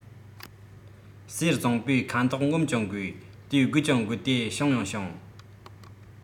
གསེར བཟང པོའི ཁ དོག ངོམས ཀྱང དགོས དེ དགོས ཀྱང དགོས ཏེ བྱུང ཡང བྱུང